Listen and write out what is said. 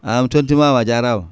an mi [wolof]